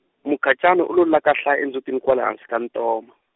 Mukhacani u lo lakahla endzhutini kwala hansi ka ntoma.